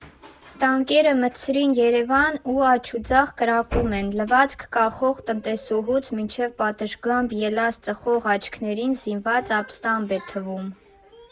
Տանկերը մտցրին Երևան ու աջուձախ կրակում են՝ լվացք կախող տնտեսուհուց մինչև պատշգամբ ելած ծխող աչքներին զինված աբստամբ է թվում։